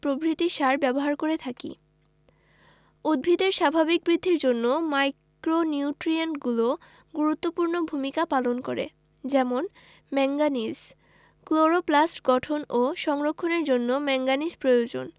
প্রভৃতি সার ব্যবহার করে থাকি উদ্ভিদের স্বাভাবিক বৃদ্ধির জন্য মাইক্রোনিউট্রিয়েন্টগুলোও গুরুত্বপূর্ণ ভূমিকা পালন করে যেমন ম্যাংগানিজ ক্লোরোপ্লাস্ট গঠন ও সংরক্ষণের জন্য ম্যাংগানিজ প্রয়োজন